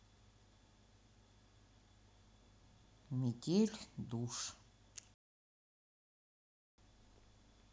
метель душ